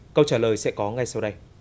câu trả lời sẽ có ngay sau đây